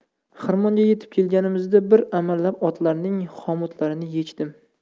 xirmonga yetib kelganimizda bir amallab otlarning xomutlarini yechdim